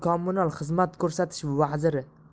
joy kommunal xizmat ko'rsatish vaziri